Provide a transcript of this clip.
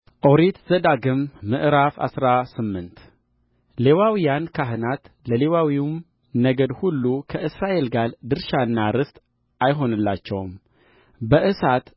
ኦሪት ዘዳግም ምዕራፍ አስራ ስምንት ለሌዋውያን ካህናት ለሌዊም ነገድ ሁሉ ከእስራኤል ጋር ድርሻና ርስት አይሆንላቸውም በእሳት